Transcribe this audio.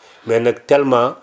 mais nag tellement